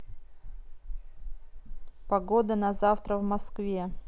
погода на завтра в москве